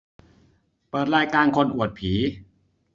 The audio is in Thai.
เปิดรายการคนอวดผี